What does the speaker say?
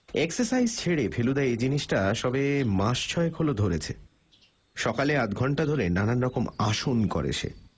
exercise ছেড়ে ফেলুদা এ জিনিসটা সবে মাস ছয়েক হল ধরেছে সকালে আধঘণ্টা ধরে নানারকম আসন করে সে